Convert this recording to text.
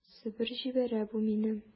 Себер җибәрә бу мине...